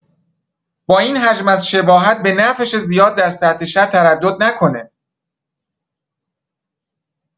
با این حجم از شباهت به نفعشه زیاد در سطح شهر تردد نکنه!